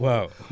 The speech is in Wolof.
waaw